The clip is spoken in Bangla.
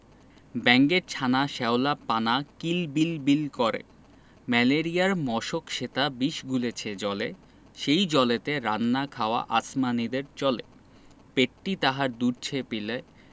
ব্যাঙের ছানা শ্যাওলা পানা কিল বিল বিল করে ম্যালেরিয়ার মশক সেথা বিষ গুলেছে জলে সেই জলেতে রান্না খাওয়া আসমানীদের চলে পেটটি তাহার দুলছে পিলে